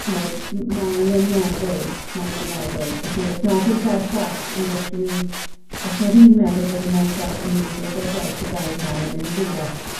ch'mod m- ma' angen meddwl ma' angen meddwl. Felly os nad yw'r ferch fach yn gallu os nad yw 'i'n meddwl bod 'i merch fach yn myn' i ddod ar draws y gair 'ny ne' myn' i ddeall